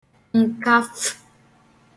ǹkafu